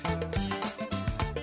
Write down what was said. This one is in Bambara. San